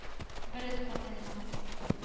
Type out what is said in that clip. Мобиль комплекс эшләячәк.